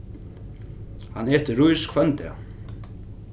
hann etur rís hvønn dag